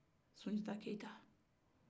sunjata keyita